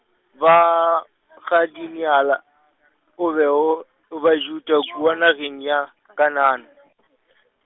ba gaDiniala, o be o, o Bajuda kua nageng ya, Kanana.